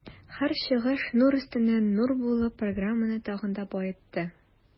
Һәр чыгыш нур өстенә нур булып, программаны тагын да баетты.